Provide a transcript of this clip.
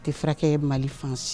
A tɛ furakɛ ye mali fansi